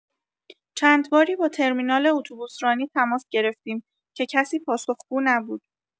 چند باری با ترمینال اتوبوسرانی تماس گرفتیم که کسی پاسخگو نبود.